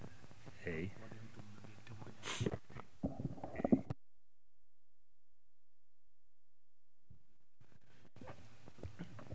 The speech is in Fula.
eeyi